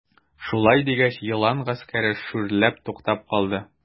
Шулай дигәч, елан гаскәре шүрләп туктап калды.